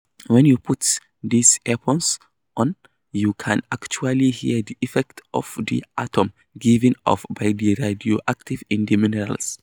When you put these earphones on, you can actually hear the effects of the atoms given off by the radioactivity in the minerals."